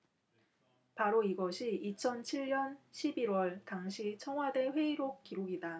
바로 이것이 이천 칠 년 십 일 월 당시 청와대 회의록 기록이다